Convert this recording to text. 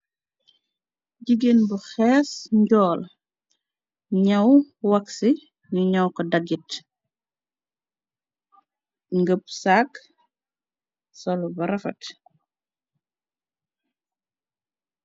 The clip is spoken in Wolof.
Gigeen bu xees njol, ñaw waksi, ñu ñaw ko dagit , mu ngàp sak, solu bam rafet.